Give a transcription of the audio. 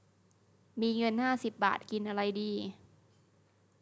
มีเงินห้าสิบบาทกินอะไรดี